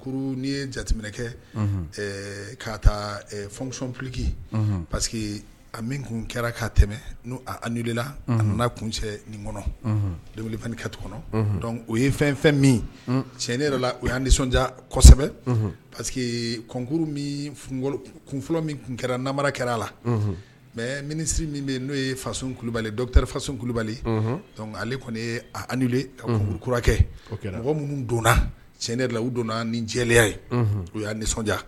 Kuru ni ye jateminɛkɛ' fsɔn pki pa a min tun kɛra'a tɛmɛ n'la a nana kun cɛ nin kɔnɔ wilikɛ tu kɔnɔ o ye fɛn fɛn min cɛn ne yɛrɛ la o y'an nisɔndiya kosɛbɛ pa kɔnkuruf min tun kɛra namara kɛra a la mɛ minisiri min bɛ n'o ye fa kulubali dɔwri faso kulubalic ale kɔni ka kunkuru kura kɛ minnu donna cɛn ne la u donna ni jɛya ye o y'a nisɔndiya